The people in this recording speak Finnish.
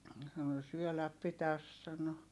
sanoi syödä pitäisi sanoi